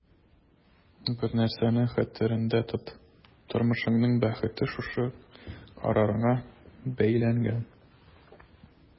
Бер нәрсәне хәтерендә тот: тормышыңның бәхете шушы карарыңа бәйләнгән.